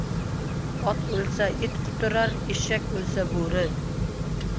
ot o'lsa it quturar eshak o'lsa bo'ri